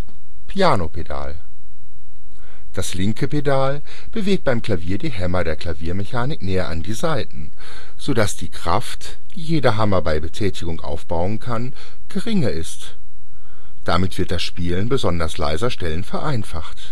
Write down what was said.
Piano-Pedal: Das linke Pedal bewegt beim Klavier die Hämmer der Klaviermechanik näher an die Saiten, so dass die Kraft, die jeder Hammer bei Betätigung aufbauen kann, geringer ist. Damit wird das Spielen besonders leiser Stellen vereinfacht